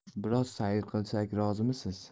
biroz sayr qilsak rozimisiz